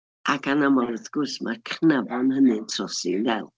Ac anaml wrth gwrs, mae'r cnafon hynny'n trosi'n ddel.